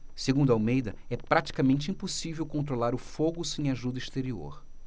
segundo almeida é praticamente impossível controlar o fogo sem ajuda exterior